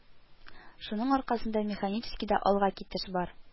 Шуның аркасында механическийда алга китеш бар